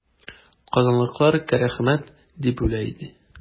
Казанлылар Карәхмәт дип үлә инде.